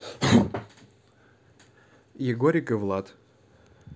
егорик и влад